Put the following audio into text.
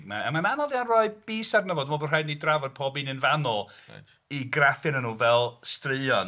A mae'n anodd iawn rhoi bys arno fo. Dw i'n meddwl mae'n rhaid i ni drafod pob un yn fanwl i graffu'r arnyn nhw fel straeon.